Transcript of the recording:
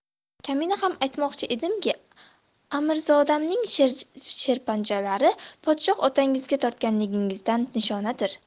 kamina ham aytmoqchi edimki amirzodamning sherpanjaliklari podshoh otangizga tortganligingizdan nishonadir